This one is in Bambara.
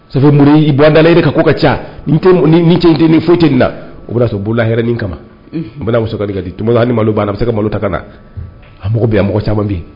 Sabu mu i bandare kan' ka ca ni ce den nit na o bɛ sɔrɔlaha kama n' di malo b'a ma se malo ta ka na a mago bɛ mɔgɔ caman bɛ